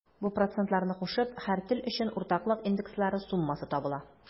Бу процентларны кушып, һәр тел өчен уртаклык индекслары суммасы табыла.